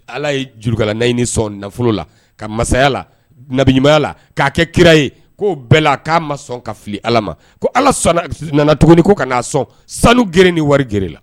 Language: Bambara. Ala ye jurukalala ni sɔn nafolo la ka masaya la nabiya la k'a kɛ kira ye k' bɛɛ la'a ma sɔn ka fili ala ma ko ala sɔnna nana tuguni ko ka na sɔn sanu g ni wari g la